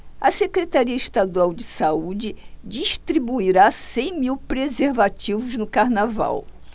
a secretaria estadual de saúde distribuirá cem mil preservativos no carnaval